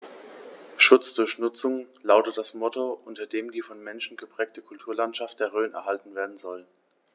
„Schutz durch Nutzung“ lautet das Motto, unter dem die vom Menschen geprägte Kulturlandschaft der Rhön erhalten werden soll.